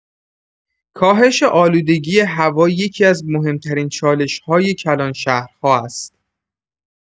کاهش آلودگی هوا یکی‌از مهم‌ترین چالش‌های کلان‌شهرها است.